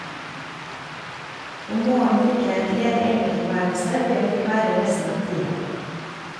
Om morgenen fikk jeg et ledig enkeltværelse hvor jeg fikk være resten av tida.